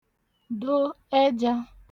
do ẹjā